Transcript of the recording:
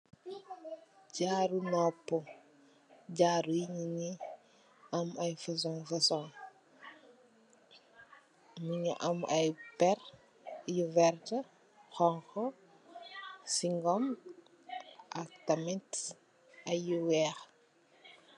Jaaru noppu jaaru yi mongi am ay fosong fosong mongi am ay perr yu werta xonxu singum ak tamit yu weex.